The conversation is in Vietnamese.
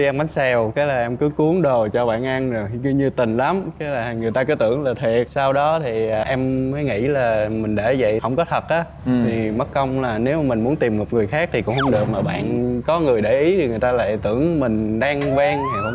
đi ăn bánh xèo cái là em cứ cuốn đồ cho bạn ăn rồi kêu nhiệt tình lắm cái là người ta cứ tưởng là thiệt sau đó thì em mới nghĩ là mình đã dậy hổng có thật á thì mất công là nếu mà mình muốn tìm một người khác thì cũng không được mà bạn có người để ý thì người ta lại tưởng mình đang quen